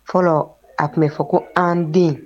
Fɔlɔ a tun bɛ fɔ ko an den